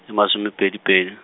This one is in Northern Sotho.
e masomepedi pedi.